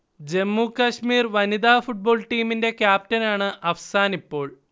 ജമ്മു കശ്മീർ വനിതാ ഫുട്ബോൾ ടീമിന്റെ ക്യാപ്റ്റനാണ് അഫ്സാനിപ്പോൾ